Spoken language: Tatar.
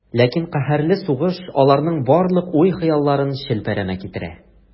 Ләкин каһәрле сугыш аларның барлык уй-хыялларын челпәрәмә китерә.